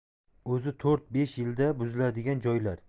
o'zi to'rt besh yilda buziladigan joylar